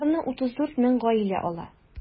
Аларны 34 мең гаилә ала.